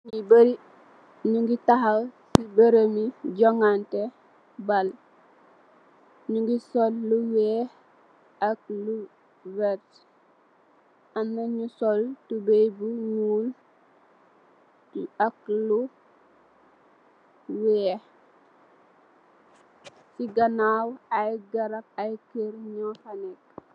Nyu bari nyugi taxaw si brembi joganteh baal nyugi sol lu weex ak lu wertah amna nyu sol tubai bu nuul ak lu weex si ganaw ay keur ay neeg nyu fa neka.